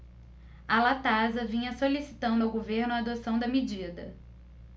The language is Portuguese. a latasa vinha solicitando ao governo a adoção da medida